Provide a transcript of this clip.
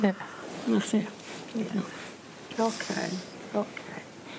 Ie. 'Na thi. Ie. Oce oce..